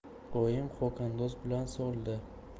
oyim xokandoz bilan soldi